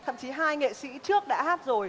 thậm chí hai nghệ sĩ trước đã hát rồi